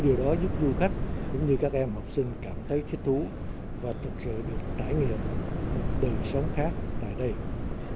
điều đó giúp du khách cũng như các em học sinh cảm thấy thích thú và thực sự được trải nghiệm một đời sống khác tại đây